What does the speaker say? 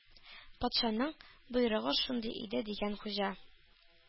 — патшаның боерыгы шундый иде,— дигән хуҗа.